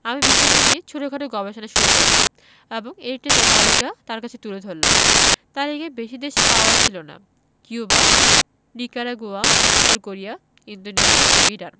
আমি বিষয়টি নিয়ে ছোটখাটো গবেষণা শুরু করলাম এবং এর একটি তালিকা তাঁর কাছে তুলে ধরলাম তালিকায় বেশি দেশ পাওয়া ছিল না কিউবা নিকারাগুয়া উত্তর কোরিয়া ইন্দোনেশিয়া ও ইরান